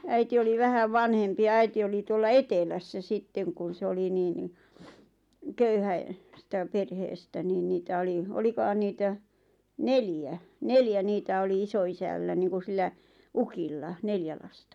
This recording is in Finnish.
äiti oli vähän vanhempi ja äiti oli tuolla etelässä sitten kun se oli niin niin - köyhästä perheestä niin niitä oli olikohan niitä neljä neljä niitä oli isoisällä niin kuin sillä ukilla neljä lasta